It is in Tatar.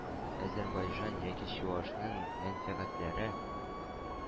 Азәрбайҗан яки чуашның мәнфәгатьләре